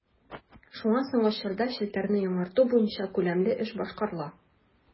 Шуңа соңгы чорда челтәрне яңарту буенча күләмле эш башкарыла.